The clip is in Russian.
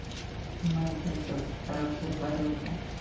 моя чертовски хорошая подруга